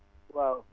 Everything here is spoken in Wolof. waaw